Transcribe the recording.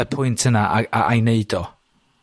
y pwynt yna a a ei neud o?